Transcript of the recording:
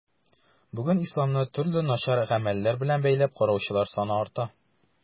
Бүген исламны төрле начар гамәлләр белән бәйләп караучылар саны арта.